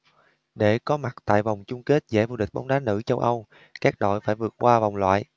để có mặt tại vòng chung kết giải vô địch bóng đá nữ châu âu các đội phải vượt qua vòng loại